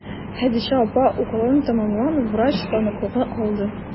Хәдичә апа укуын тәмамлап, врач таныклыгы алды.